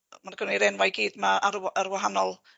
yy ma'r gen ni'r enwa' i gyd 'ma ar y wy- ar wahanol